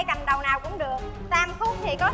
cầm đầu nào cũng được tam khúc thì có